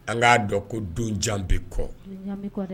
An k'a dɔn ko donjan bɛ kɔ